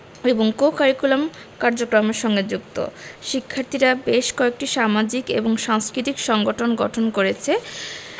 এবং co curriculum কার্যক্রমরে সঙ্গে যুক্ত শিক্ষার্থীরা বেশ কয়েকটি সামাজিক এবং সাংস্কৃতিক সংগঠন গঠন করেছে